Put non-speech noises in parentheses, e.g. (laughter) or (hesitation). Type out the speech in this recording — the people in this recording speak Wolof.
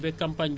(hesitation) (hesitation)